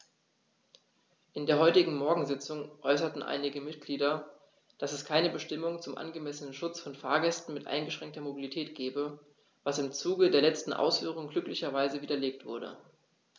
In der heutigen Morgensitzung äußerten einige Mitglieder, dass es keine Bestimmung zum angemessenen Schutz von Fahrgästen mit eingeschränkter Mobilität gebe, was im Zuge der letzten Ausführungen glücklicherweise widerlegt wurde.